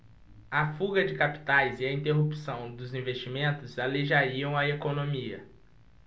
a fuga de capitais e a interrupção dos investimentos aleijariam a economia